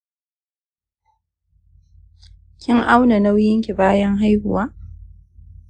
kin auna nauyinki bayan haihuwa?